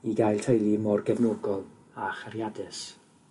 i gael teulu mor gefnogol a chariadus.